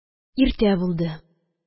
Иртә булды.